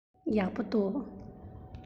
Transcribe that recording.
ཡག པོ འདུག